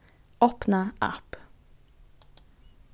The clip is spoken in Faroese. opna app